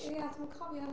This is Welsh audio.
Ia dwi'm yn cofio.